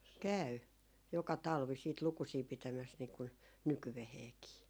käy joka talvi sitten lukusia pitämässä niin kun nykyäänkin